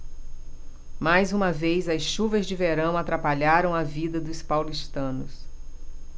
mais uma vez as chuvas de verão atrapalharam a vida dos paulistanos